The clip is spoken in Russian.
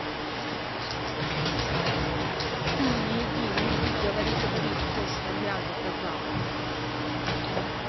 ты не иди не иди говори говори то что я заказал